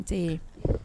N tɛ